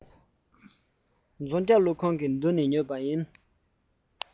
རྫོང རྒྱབ ཀླུ རྒྱབ ཁང གི མདུན དེ ནས ཉོས པ ཡིན